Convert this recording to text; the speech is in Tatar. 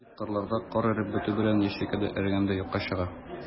Тик кырларда кар эреп бетү белән, ячейка да эрегәндәй юкка чыга.